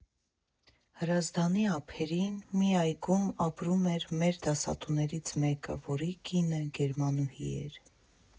Հրազդանի ափերին՝ մի այգում, ապրում էր մեր դասատուներից մեկը, որի կինը գերմանուհի էր.